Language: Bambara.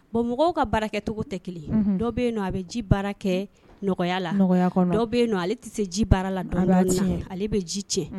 Bon mɔgɔw ka baara kɛcogo tɛ kelen ye, unhun, dɔ bɛ yen a bɛ ji baara kɛ ni nɔgɔya ye, dɔ bɛ yen ale tɛ se ji baara la, ale bɛ ji cɛn